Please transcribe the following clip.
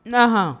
Nahan